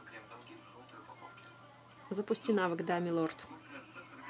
запусти навык да милорд